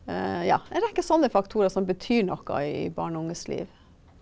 ja en rekke sånne faktorer som betyr noe i barn og unges liv.